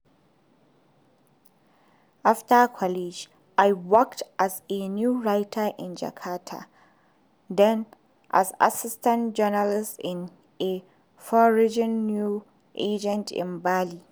After college, I worked as a news writer in Jakarta, then as assistant journalist in a foreign news agency in Bali.